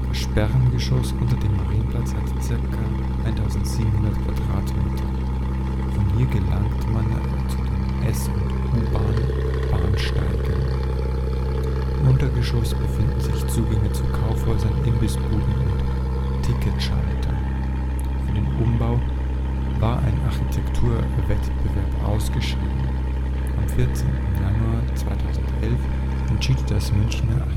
Sperrengeschoss unter dem Marienplatz hat ca. 1700 m². Von hier gelangt man zu den S - und U-Bahn-Bahnsteigen. Im Untergeschoss befinden sich Zugänge zu Kaufhäusern, Imbissbuden und Ticketschalter. Für den Umbau war ein Architekturwettbewerb ausgeschrieben. Am 14. Januar 2011 entschied das Münchner